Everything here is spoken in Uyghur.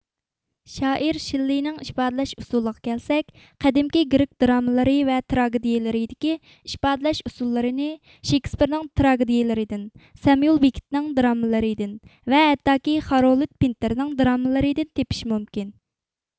شائىر شېللېينىڭ ئىپادىلەش ئۇسۇلىغا كەلسەك قەدىمى گرېك درامىلىرى ۋە تراگېدىيىلىرىدىكى ئىپادىلەش ئۇسۇللىرىنى شېكسىپېرنىڭ تراگېدىيىلىرىدىن سەميۇل بېككېتنىڭ درامىلىرىدىن ۋە ھەتتاكى خارولد پىنتېرنىڭ درامىلىرىدىن تېپىش مۇمكىن